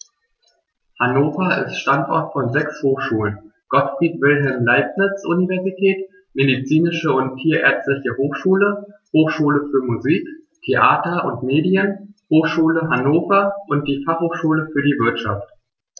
Hannover ist Standort von sechs Hochschulen: Gottfried Wilhelm Leibniz Universität, Medizinische und Tierärztliche Hochschule, Hochschule für Musik, Theater und Medien, Hochschule Hannover und die Fachhochschule für die Wirtschaft.